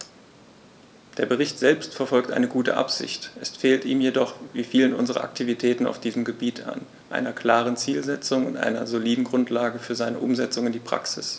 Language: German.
Der Bericht selbst verfolgt eine gute Absicht, es fehlt ihm jedoch wie vielen unserer Aktivitäten auf diesem Gebiet an einer klaren Zielsetzung und einer soliden Grundlage für seine Umsetzung in die Praxis.